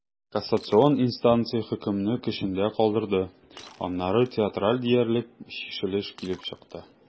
Кассацион инстанция хөкемне көчендә калдырды, аннары театраль диярлек чишелеш килеп чыкты.